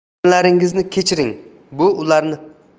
dushmanlaringizni kechiring bu ularni